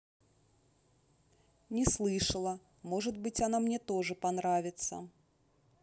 не слышала может быть она мне тоже понравится